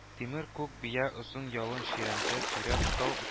Тимер күк бия озын ялын чирәмдә сөйрәп тау